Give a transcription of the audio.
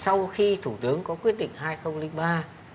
sau khi thủ tướng có quyết định hai không linh ba